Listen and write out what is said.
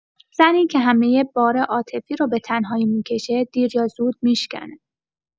زنی که همه بار عاطفی رو به‌تنهایی می‌کشه، دیر یا زود می‌شکنه.